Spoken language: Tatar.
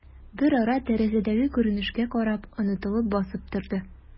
Берара, тәрәзәдәге күренешкә карап, онытылып басып торды.